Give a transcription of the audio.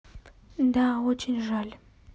да очень жаль